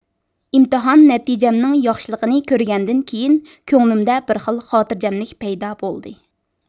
ئىمتىھان نەتىجەمنىڭ ياخشىلىقىنى كۆرگەندىن كېيىن كۆڭلۈمدە بىر خىل خاتىرجەملىك پەيدا بولدى